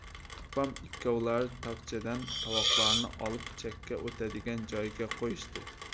opam ikkovlari tokchadan tovoqlarni olib chakka o'tadigan joyga qo'yishdi